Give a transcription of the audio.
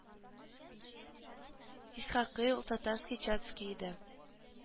Исхакый ул татарский чацкий иде